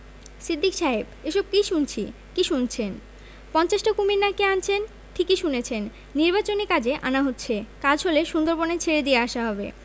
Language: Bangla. সিদ্দিক সাহেব এসব কি শুনছি কি শুনছেন পঞ্চাশটা কুমীর না কি আনছেন ঠিকই শুনেছেন নির্বাচনী কাজে আনা হচ্ছে কাজ হলে সুন্দরবনে ছেড়ে দিয়ে আসা হবে